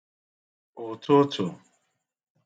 ụ̀tụtụ̀